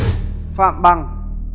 phạm bằng